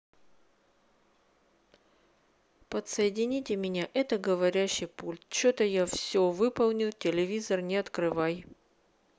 подсоедините меня это говорящий пульт че то я все выполнил телевизор не открывай